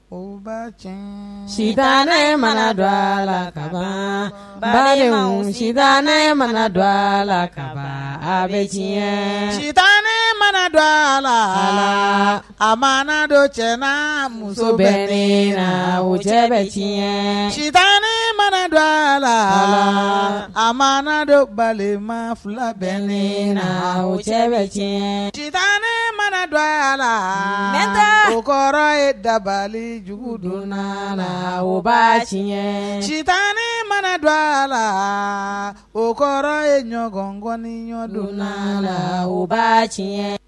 O ba c sita ne mana don a la ka ba sita ne mana dɔ a la ka bɛ diɲɛɲɛ ci ne mana dɔ a la a ma dɔ cɛ na muso bɛ la wo cɛ bɛɲɛ cita ne mana don a la a ma dɔ balima fila bɛ le na cɛ bɛ tiɲɛ si tan ne mana don a la nta o kɔrɔ ye dabali jugujugu don la o ba tiɲɛɲɛ cita ne mana don a la o kɔrɔ ye ɲɔgɔnkɔni ɲɔgɔndon la la u ba tiɲɛ